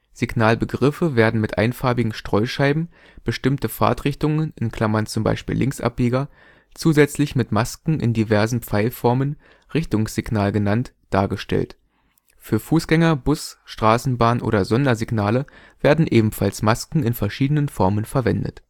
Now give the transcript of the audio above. Signalbegriffe werden mit einfarbigen Streuscheiben, bestimmte Fahrtrichtungen (z. B. Linksabbieger) zusätzlich mit Masken in diversen Pfeilformen, Richtungssignal genannt, dargestellt. Für Fußgänger -, Bus -, Straßenbahn - oder Sondersignale werden ebenfalls Masken in verschiedenen Formen verwendet